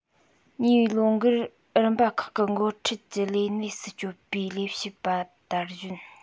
ཉེ བའི ལོ འགར རིམ པ ཁག གི འགོ ཁྲིད ཀྱི ལས གནས སུ བསྐྱོད པའི ལས བྱེད པ དར གཞོན